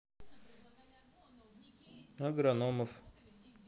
агрономов